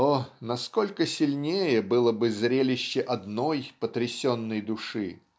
о, насколько сильнее было бы зрелище одной потрясенной души!